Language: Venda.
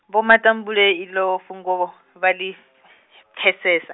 Vho Matambule iḽo fhungo go vha ḽi, pfesesa.